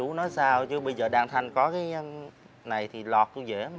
bố nói sao chứ bây giờ lan thanh có cái này thì lọt vô dễ mà